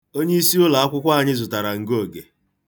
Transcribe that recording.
Onyeisi ụlọakwụkwọ anyị zụtara ngụoge.